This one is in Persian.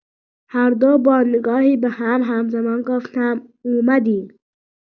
هردو با نگاهی به هم همزمان گفتند: اومدیم.